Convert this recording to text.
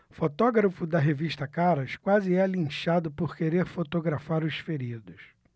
fotógrafo da revista caras quase é linchado por querer fotografar os feridos